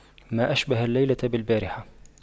ما أشبه الليلة بالبارحة